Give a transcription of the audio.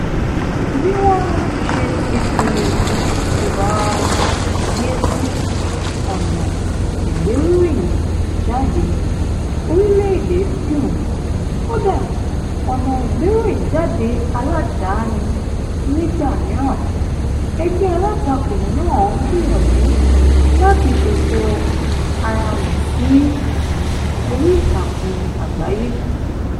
Bí wọ́n ṣe ti fi ìráàyèsí ọ̀nà ìgbéròyìnjáde orílẹ̀ dùn ún, kódà ọ̀nà ìgbéròyìnjáde aládàáni nígbà mìíràn, ẹgbẹ́ alátakò náà ń gbìyànjú láti ṣètò ara rẹ̀ sí oríìtakùn àgbáyé.